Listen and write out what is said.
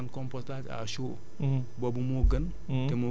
mais mën nga def li ñu naan compostage à chaud